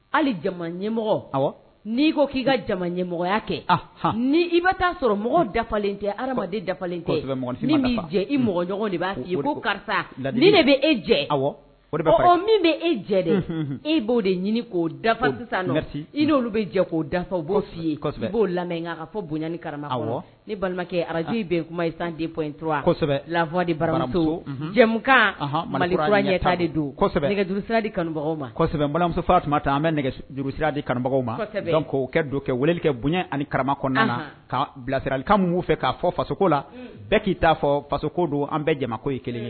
Hali ja ɲɛmɔgɔ n'i ko k'i ka ja ɲɛmɔgɔya kɛ ni i taa sɔrɔ mɔgɔlen tɛ adama' de b' karisa de bɛ e jɛ min bɛ e jɛ de e b'o de ɲini k' iolu bɛ jɛ' b b'o bonya ni kara balimakɛ araz bɛn kuma i denpfamukan nɛgɛ balimamusofa tun taa an bɛ nɛgɛsiradi karamɔgɔ ma don kɛ weleli kɛ bonya ani kara kɔnɔn ka bilasiralika mun fɛ k'a fɔ fasoko la bɛɛ k'i' fɔ fasoko don an bɛko ye kelen ye